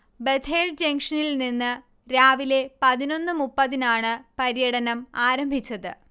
Bethel ജങ്ഷനിൽനിന്ന് രാവിലെ പതിനൊന്ന് മുപ്പത്തിനാണ് പര്യടനം ആരംഭിച്ചത്